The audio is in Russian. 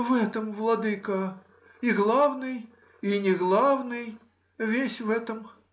— В этом, владыко, и главный и не главный,— весь в этом